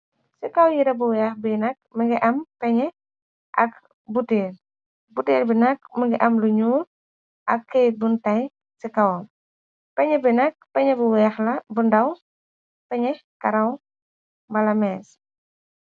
Ci kaw yere bu weex bi nakk mongi am peñe ak botale botale bi nakk mongi am lu ñuul ak keyt bun teg ci kawam peñex bi nakk peñex bu weex la bu ndaw peñex karaw mbala mees.